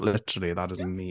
Literally, that is me...